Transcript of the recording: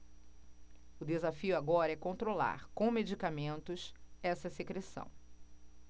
o desafio agora é controlar com medicamentos essa secreção